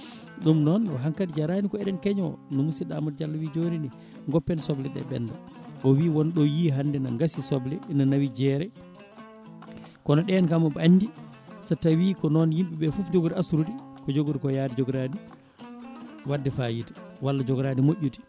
ɗum noon hankkadi jarani eɗen keeño no musidɗo Amadou Diallo wi joni ni goppen sobleɗe ɓenda o wii woon ɗo yii hande ne gaasi soble ina nawi jeere kono ɗen kam omo andi so tawi ko noon yimɓeɓe foof jogori asrude ko jogori ko yaade jogorani wadde fayida walla jogorani moƴƴude